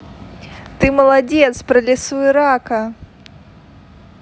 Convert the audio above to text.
ты молодец про лису и рака